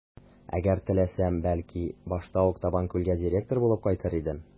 Әгәр теләсәм, бәлки, башта ук Табанкүлгә директор булып кайтыр идем.